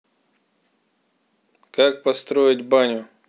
как построить баню